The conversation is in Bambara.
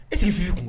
I sigi k f'i kun